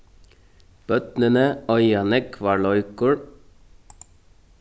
børnini eiga nógvar leikur